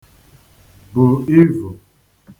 bù ivù